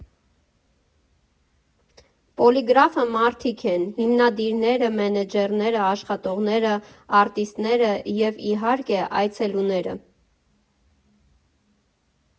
Պոլիգրաֆը մարդիկ են՝ հիմնադիրները, մենեջերները, աշխատողները, արտիստները և, իհարկե, այցելուները։